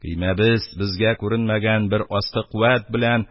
Көймәбез безгә күренмәгән бер аскы куәт белән